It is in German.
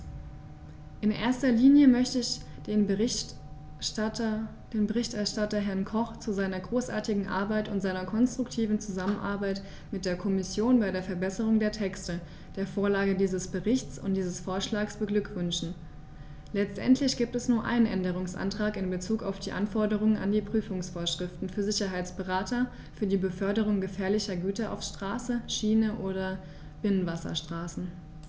In erster Linie möchte ich den Berichterstatter, Herrn Koch, zu seiner großartigen Arbeit und seiner konstruktiven Zusammenarbeit mit der Kommission bei der Verbesserung der Texte, der Vorlage dieses Berichts und dieses Vorschlags beglückwünschen; letztendlich gibt es nur einen Änderungsantrag in bezug auf die Anforderungen an die Prüfungsvorschriften für Sicherheitsberater für die Beförderung gefährlicher Güter auf Straße, Schiene oder Binnenwasserstraßen.